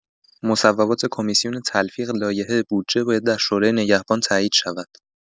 مصوبات کمیسیون تلفیق لایحه بودجه باید در شورای نگهبان تایید شود.